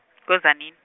ko Tzaneen.